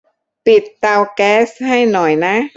ปิดเตาแก๊สให้หน่อยนะ